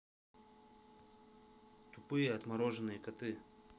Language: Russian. тупые отмороженные коты